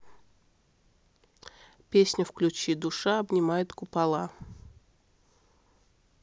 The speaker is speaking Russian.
песню включи душа обнимет купола